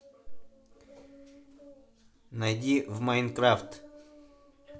найди в майнкрафт